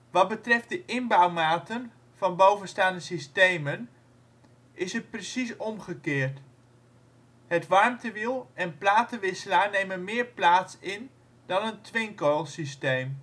Wat betreft de inbouwmaten van bovenstaande systemen is het precies omgekeerd. Het warmtewiel en platenwisselaar nemen meer plaats in dan een twincoilsysteem